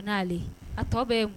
Ale a tɔ bɛ